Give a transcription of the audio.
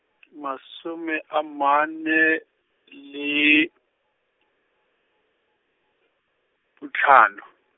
masome a mane le, bo tlhano.